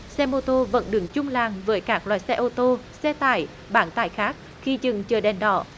xe mô tô vẫn được trung làn với các loại xe ô tô xe tải bán tải khác khi dừng chờ đèn đỏ